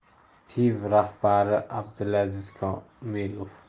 tiv rahbari abdulaziz komilov